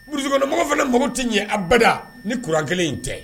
Urukɔnɔmɔgɔfɛ mago tɛ ɲɛ abada ni kuran kelen in tɛ